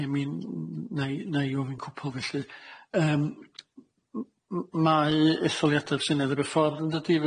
Mi'n n- nai nai ofyn cwpwl felly. Yym m- m- mae etholiada'r Senedd ar y ffordd yndydi?